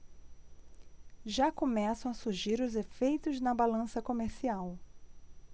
já começam a surgir os efeitos na balança comercial